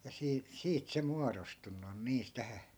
ja - siitä se muodostunut on niissä tähän